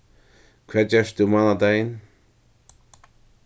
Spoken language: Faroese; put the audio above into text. hvat gert tú mánadagin